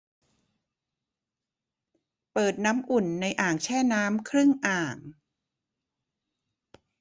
เปิดน้ำอุ่นในอ่างแช่น้ำครึ่งอ่าง